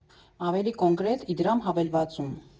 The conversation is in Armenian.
Ավելի կոնկրետ՝ Իդրամ հավելվածում։